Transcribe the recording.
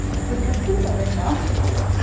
Dwi'n cytuno efo ynna.